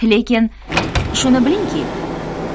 lekin shuni bilingki